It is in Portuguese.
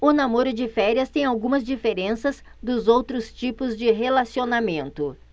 o namoro de férias tem algumas diferenças dos outros tipos de relacionamento